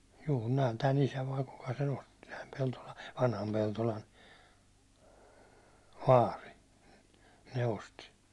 juu ne on tämän isä vai kuka sen osti tämän Peltolan vanhan Peltolan vaari ne osti